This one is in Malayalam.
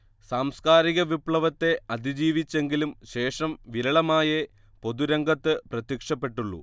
സാംസ്കാരിക വിപ്ലവത്തെ അതിജീവിച്ചെങ്കിലും ശേഷം വിരളമായെ പൊതുരംഗത്ത് പ്രത്യ്ക്ഷപ്പെട്ടുള്ളൂ